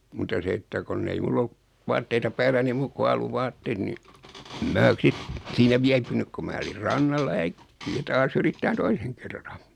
mutta se että kun ei minulla ollut vaatteita päälläni muuta kuin alusvaatteet niin en minä sitten siinä viipynyt kun minä olin rannalla ja äkkiä taas yrittämään toisen kerran